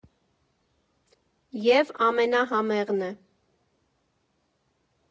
ԵՒ ամենահամեղն է։